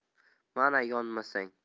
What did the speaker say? mana yonmasang